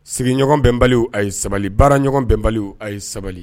Sigiɲɔgɔn bɛ bali a ye sabali baara ɲɔgɔn bɛ bali a ye sabali